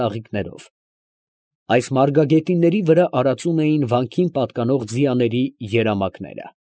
Ծաղիկներով։ Այս մարգագետինների վրա արածում էին վանքին պատկանող ձիաների երամակները։